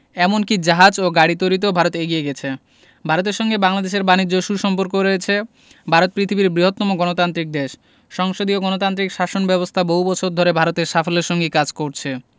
এমন কি জাহাজ ও গাড়ি তৈরিতেও ভারত এগিয়ে গেছে ভারতের সঙ্গে বাংলাদেশের বানিজ্য সু সম্পর্ক রয়েছে ভারত পৃথিবীর বৃহত্তম গণতান্ত্রিক দেশ সংসদীয় গণতান্ত্রিক শাসন ব্যাবস্থা বহু বছর ধরে ভারতে সাফল্যের সঙ্গেই কাজ করছে